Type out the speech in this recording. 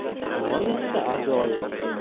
g'oyatda ajoyib